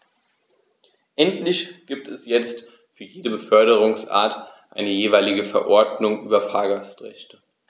Endlich gibt es jetzt für jede Beförderungsart eine jeweilige Verordnung über Fahrgastrechte.